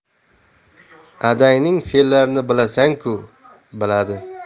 adangning fe'llarini bilasan ku biladi